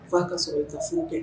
U'a ka sɔrɔ i ka foyi kɛ